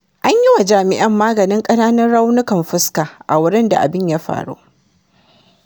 An yiwa jami'an maganin ƙananun raunukan fuska a wurin da abin ya faru.